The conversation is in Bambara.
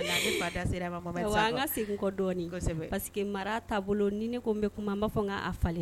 An ka segin kɔ ni ne ko bɛ kuma b'a fɔa falen